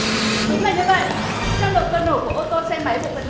đúng là như vậy trong động cơ nổ của ô tô xe máy bộ phận